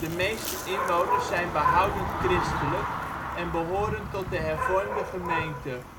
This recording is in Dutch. meeste inwoners zijn behoudend christelijk en behoren tot de Hervormde Gemeente